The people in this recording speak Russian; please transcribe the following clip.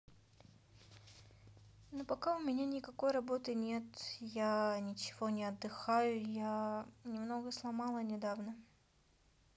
ну пока у меня никакой работы нет я ничего не отдыхаю я немного сломала недавно